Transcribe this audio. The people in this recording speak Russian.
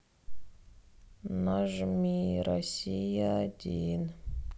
нажми россия один